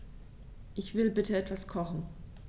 Ich will bitte etwas kochen.